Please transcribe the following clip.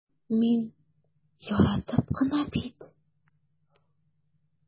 Мин яратып кына бит...